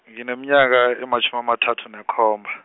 ngineminyaka ematjhumi amathathu nekhomba.